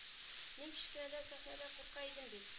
Мин кечкенәдән сәхнәдән курка идем бит